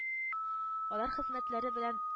Аларга хезмәтләре белән